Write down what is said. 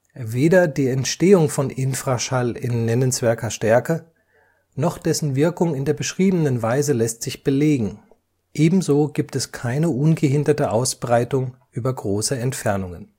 Weder die Entstehung von Infraschall in nennenswerter Stärke, noch dessen Wirkung in der beschriebenen Weise lässt sich belegen, ebenso gibt es keine ungehinderte Ausbreitung über große Entfernungen